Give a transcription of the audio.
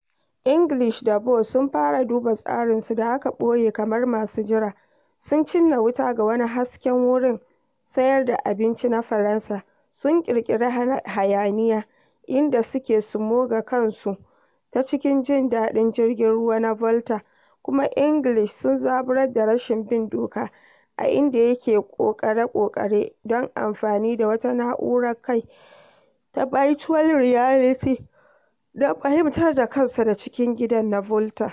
English da Bough sun fara duba tsarinsu: da aka ɓoye kamar masu jira, sun cinna wuta ga wani hasken wurin sayar da abinci na Faransa; sun ƙirƙiri hayaniya inda suke sumogar kansu ta cikin jin daɗi jirgin ruwa na Volta; kuma English sun zaburar da rashin bin doka a inda yake ƙoƙare-ƙoƙare don amfani da wata na'urar kai ta Virtual Reality don fahimtar da kansa da cikin gidan na Volta.